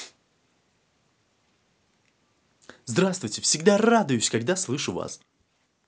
здравствуйте всегда радуюсь когда слышу вас